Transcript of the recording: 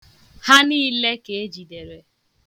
Ha niile ka ejidere.